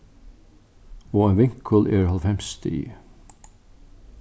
og ein vinkul er hálvfems stig